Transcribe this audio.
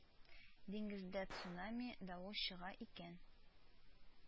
Диңгездә цунами, давыл чыга икән